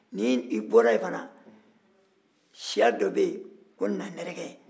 ni i bɔra yen fana siya dɔ bɛ ye ko nandɛrɛkɛ